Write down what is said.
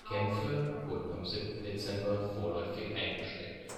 Kämpfe wurden am 7. Dezember vorläufig eingestellt